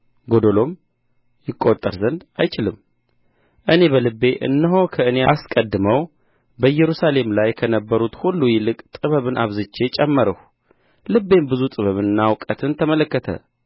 ጐደሎም ይቈጠር ዘንድ አይችልም እኔ በልቤ እነሆ ከእኔ አስቀድመው በኢየሩሳሌም ላይ ከነበሩት ሁሉ ይልቅ ጥበብን አብዝቼ ጨመርሁ ልቤም ብዙ ጥበብንና እውቀትን ተመለከተ